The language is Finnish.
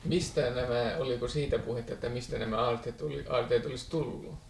mistä nämä oliko siitä puhetta että mistä nämä aarteet oli aarteet olisi tullut